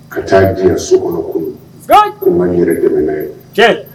Ka ta'a di yan so kɔnɔ kunun, ko n ka n yɛrɛ dɛmɛ n'a ye, tiɲɛ